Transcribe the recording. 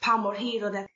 pa mor hir o'dd e